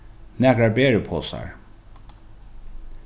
nakrar beriposar